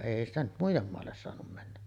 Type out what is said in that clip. ei sitä nyt muiden maalle saanut mennä